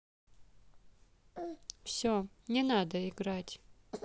все не надо играть